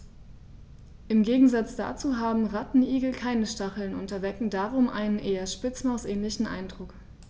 Im Gegensatz dazu haben Rattenigel keine Stacheln und erwecken darum einen eher Spitzmaus-ähnlichen Eindruck.